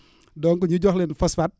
donc ñu jox leen phosphate